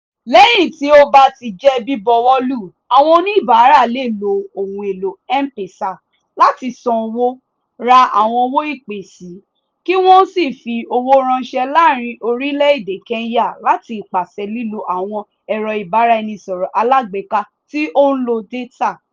Lẹ́yìn tí ó bá ti jẹ́ bíbuwọ́lù, àwọn oníbàárà le lo ohun èlò M-Pesa láti san owó, ra àwọn owó ìpè sii kí wọn ó sì fi owó ráńṣẹ́ láàárín orílẹ̀-èdè Kenya láti ipasẹ̀ lílo àwọn ẹ̀rọ ìbáraẹnisọ̀rọ̀ alágbèéká tí ó ń lo dátà.